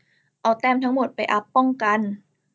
เอาแต้มทั้งหมดไปอัพป้องกัน